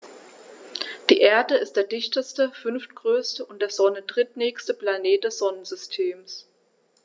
Die Erde ist der dichteste, fünftgrößte und der Sonne drittnächste Planet des Sonnensystems.